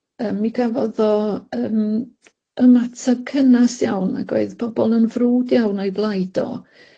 Yym mi gafodd o yym ymateb cynas iawn ac oedd bobol yn frwd iawn o'i blaid o